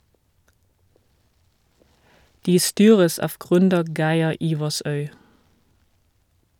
De styres av gründer Geir Ivarsøy.